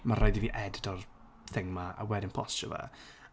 Mae rhaid i fi edito'r thing yma a wedyn posto fe.